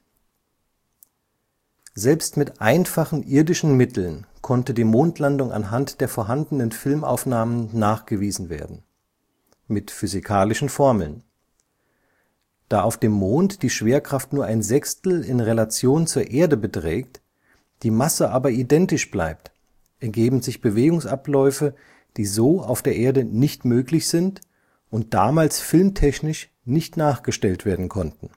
Selbst mit einfachen irdischen Mitteln konnte die Mondlandung anhand der vorhandenen Filmaufnahmen nachgewiesen werden – mit physikalischen Formeln. Da auf dem Mond die Schwerkraft nur ein Sechstel in Relation zur Erde beträgt, die Masse aber identisch bleibt, ergeben sich Bewegungsabläufe, die so auf der Erde nicht möglich sind und damals filmtechnisch nicht nachgestellt werden konnten